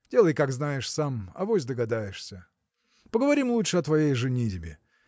Делай, как знаешь сам: авось догадаешься. Поговорим лучше о твоей женитьбе.